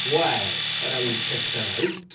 Well, and now he's kicked her out.